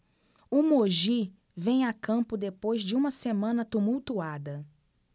o mogi vem a campo depois de uma semana tumultuada